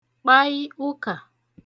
kpai ụkà